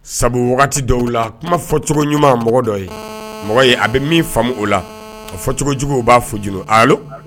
Sabu wagati dɔw u la kuma fɔcogo cogo ɲuman mɔgɔ dɔ ye mɔgɔ a bɛ min fa o la a fɔ cogojuguw b'a fɔ j alo